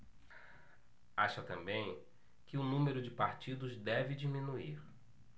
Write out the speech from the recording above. acha também que o número de partidos deve diminuir